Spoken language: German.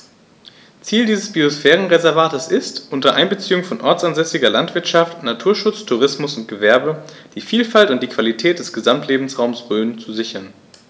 Ziel dieses Biosphärenreservates ist, unter Einbeziehung von ortsansässiger Landwirtschaft, Naturschutz, Tourismus und Gewerbe die Vielfalt und die Qualität des Gesamtlebensraumes Rhön zu sichern.